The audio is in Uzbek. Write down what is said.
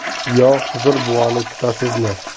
yo xizr buvani kutasizmi